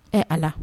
Ɛ Ala .